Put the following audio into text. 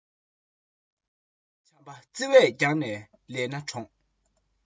བྱམས དང བརྩེ བས བསྐྱངས ནས ལས སྣ དྲོངས